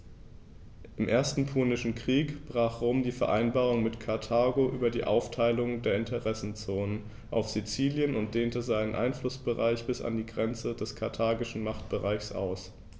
Im Ersten Punischen Krieg brach Rom die Vereinbarung mit Karthago über die Aufteilung der Interessenzonen auf Sizilien und dehnte seinen Einflussbereich bis an die Grenze des karthagischen Machtbereichs aus.